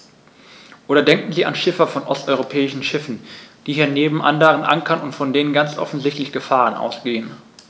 Oder denken Sie an Schiffer von osteuropäischen Schiffen, die hier neben anderen ankern und von denen ganz offensichtlich Gefahren ausgehen.